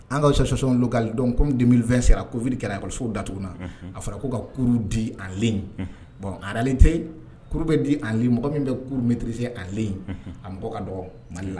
An kaaw si sɔsɔɔnka dɔn kɔmibili2 sera kubi kɛra a kɔlɔsisow dat na a fɔra k ko ka kuru di alelen bon lente yen kuru bɛ di ale mɔgɔ min bɛ kuruetiririsi se alelen a mɔgɔ ka dɔn mali la